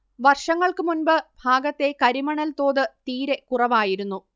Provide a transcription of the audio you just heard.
വർഷങ്ങൾക്കുമുമ്പ് ഭാഗത്തെ കരിമണൽ തോത് തീരെ കുറവായിരുന്നു